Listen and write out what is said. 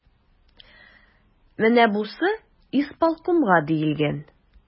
Менә бусы исполкомга диелгән.